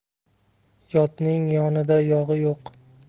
yotning yonida yog'i yo'q